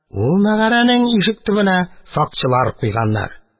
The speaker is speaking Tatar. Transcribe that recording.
Ул мәгарәнең ишек төбенә сакчылар куйганнар.